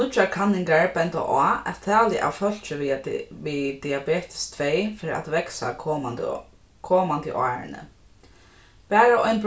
nýggjar kanningar benda á at talið av fólki við við diabetes tvey fer at vaksa komandi komandi árini bara ein